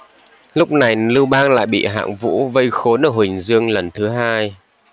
lúc này lưu bang lại bị hạng vũ vây khốn ở huỳnh dương lần thứ hai